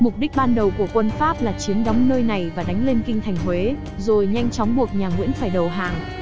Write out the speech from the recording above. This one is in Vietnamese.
mục đích ban đầu của quân pháp là chiếm đóng nơi này và đánh lên kinh thành huế rồi nhanh chóng buộc nhà nguyễn phải đầu hàng